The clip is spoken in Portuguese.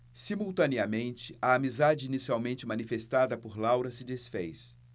simultaneamente a amizade inicialmente manifestada por laura se disfez